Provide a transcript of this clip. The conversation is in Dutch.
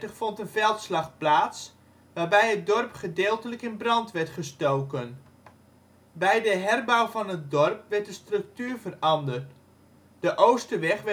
vond een veldslag plaats, waarbij het dorp gedeeltelijk in brand werd gestoken. Bij de herbouw van het dorp werd de structuur veranderd; de Oosterweg